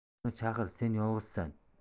uni chaqir sen yolg'izsan